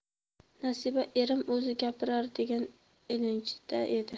nasiba erim o'zi gapirar degan ilinjda edi